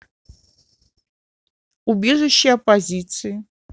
убежище оппозиции